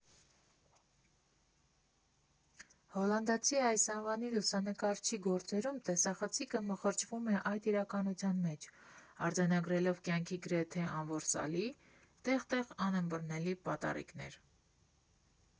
Հոլանդացի այս անվանի լուսանկարչի գործերում տեսախցիկը մխրճվում է այդ իրարանցման մեջ, արձանագրելով կյանքի գրեթե անորսալի, տեղ֊տեղ անըմբռնելի պատառիկներ։